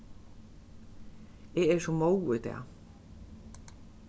eg eri so móð í dag